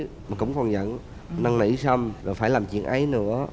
mà cũng còn giận năn nỉ xong rồi phải làm chuyện ấy nữa